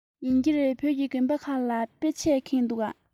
ཡིན གྱི རེད བོད ཀྱི དགོན པ ཁག ལ དཔེ ཆས ཁེངས འདུག ག